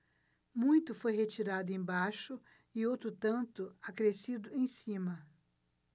muito foi retirado embaixo e outro tanto acrescido em cima